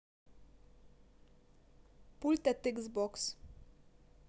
пульт от x box